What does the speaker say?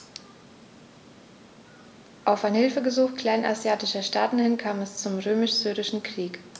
Auf ein Hilfegesuch kleinasiatischer Staaten hin kam es zum Römisch-Syrischen Krieg.